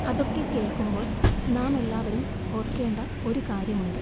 അതൊക്കെ കേൾകുമ്പോൾ നാമെല്ലാവരും ഓർക്കേണ്ട ഒരു കാര്യം ഉണ്ട്